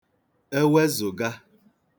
ewezụ̀ga